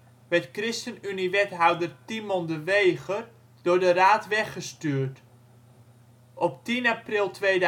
ChristenUnie wethouder Tymon de Weger door de raad weggestuurd. Op 10 april 2009